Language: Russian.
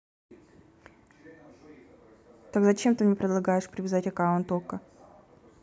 так а зачем ты мне предлагаешь привязать аккаунт okko